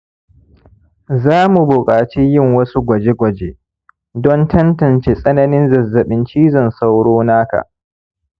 za mu buƙaci yin wasu gwaje-gwaje don tantance tsananin zazzaɓin cizon sauro naka